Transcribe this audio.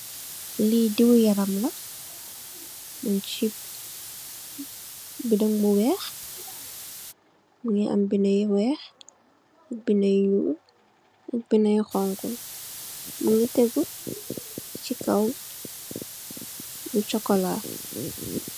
Li diw yaram la, mung chi bidon bu weeh, mungi am binda yu weeh, binda yu ñuul ak binda yu honku. Mungi tègu chi kaw lu chokola.